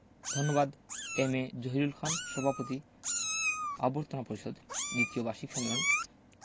ধন্যবাদ M. A. Zahirul Khan সভাপতি অভ্যর্থনা পরিষদ দ্বিতীয় বার্ষিক সম্মেলন